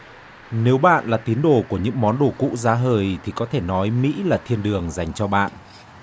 nếu bạn là tín đồ của những món đồ cũ giá hời thì có thể nói mỹ là thiên đường dành cho bạn